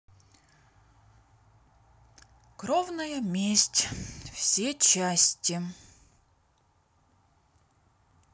кровная месть все части